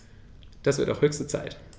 Das wird auch höchste Zeit!